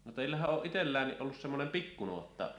no teillähän on itselläänkin ollut semmoinen pikkunuotta